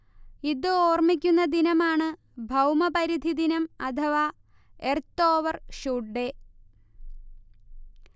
ഇത് ഓർമിക്കുന്ന ദിനമാണ് ഭൗമപരിധിദിനം അഥവാ എർത്ത് ഓവർ ഷൂട്ട് ഡേ